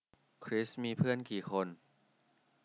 คริสมีเพื่อนกี่คน